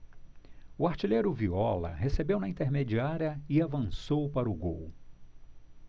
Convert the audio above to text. o artilheiro viola recebeu na intermediária e avançou para o gol